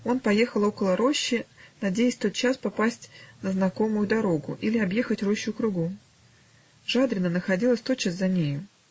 Он поехал около рощи, надеясь тотчас попасть на знакомую дорогу или объехать рощу кругом: Жадрино находилось тотчас за нею.